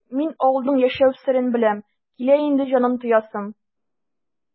Мин авылның яшәү серен беләм, килә инде җанын тоясым!